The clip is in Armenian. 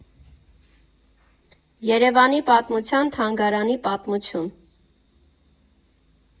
Երևանի պատմության թանգարանի պատմություն։